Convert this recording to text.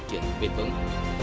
triển bền vững